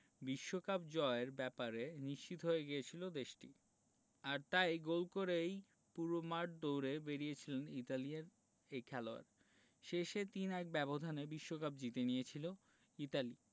বিশ্বকাপ জয়ের ব্যাপারে নিশ্চিত হয়ে গিয়েছিল দেশটি আর তাই গোল করেই পুরো মাঠ দৌড়ে বেড়িয়েছিলেন ইতালিয়ান এই খেলোয়াড় শেষে ৩ ১ ব্যবধানে বিশ্বকাপ জিতে নিয়েছিল ইতালি